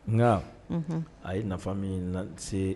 Nka. Unhun. A ye nafa min na la se